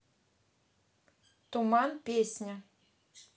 туман песня